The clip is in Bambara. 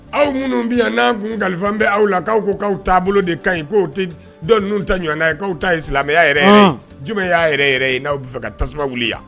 Aw minnu bɛ yan n'a tun kalifa bɛ aw la kaw ko k'aw taabolo de ka ɲi k'o tɛ dɔ ninnu ta ɲɔgɔnna ye k'aw ta ye silamɛya yɛrɛ ye, an, juma y'a yɛrɛ yɛrɛ n'aw bɛ fɛ ka tasuma wuli yan